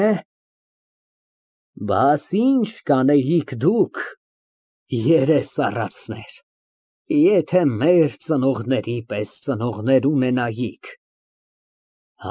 Հե՞, բաս ի՞նչ կանեիք դուք, երես առածներ, եթե մեր ծնողների պես ծնողներ ունենայիք։